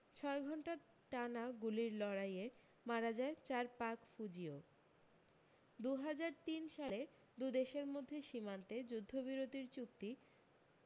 ছয় ঘণ্টা টানা গুলির লড়াইয়ে মারা যায় চার পাক ফুজিও দু হাজার তিন সালে দু দেশের মধ্যে সীমান্তে যুদ্ধবিরোতির চুক্তি